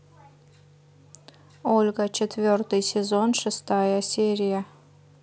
ольга четвертый сезон шестая серия